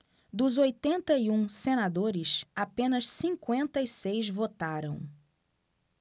dos oitenta e um senadores apenas cinquenta e seis votaram